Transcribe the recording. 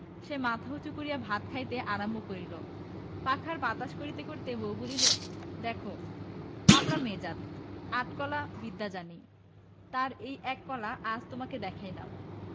সে মাথা উচু করিয়া ভাত খাইতে আরম্ভ করিল পাখার বাতাস করিতে করিতে বউ বলিল দেখ আমরা মেয়ে জাত আট কলা বিদ্যা জানি তার ই এক কলা আজ তোমাকে দেখাইলাম